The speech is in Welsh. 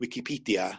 wicipedia